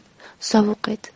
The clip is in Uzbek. sovuq edi